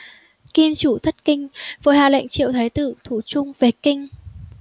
kim chủ thất kinh vội hạ lệnh triệu thái tử thủ trung về kinh